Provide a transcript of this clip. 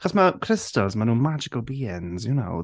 Achos mae crystals, maen nhw'n magical beings, you know.